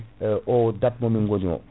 o date momin goni o